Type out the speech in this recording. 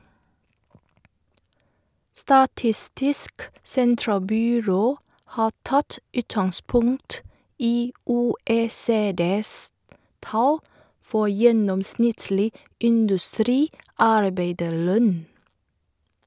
Statistisk sentralbyrå har tatt utgangspunkt i OECDs tall for gjennomsnittlig industriarbeiderlønn.